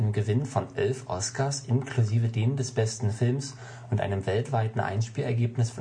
Gewinn von elf Oscars inklusive den des Besten Films und einem weltweiten Einspielergebnis